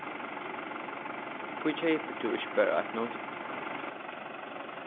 hví keypir tú ikki bara eitt nýtt